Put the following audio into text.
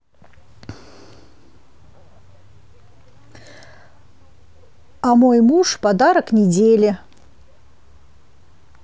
а мой муж подарок недели